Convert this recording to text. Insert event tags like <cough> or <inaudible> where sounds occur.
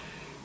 <hesitation> <hesitation>